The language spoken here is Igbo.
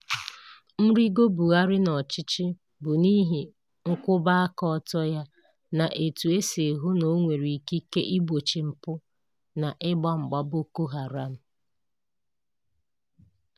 Nrigo Buhari n'ọchịchị bụ n'ihi nkwụbaakaọtọ ya na etu e si hụ na o nwere ikike igbochi mpụ na ịgba mgba Boko Haram.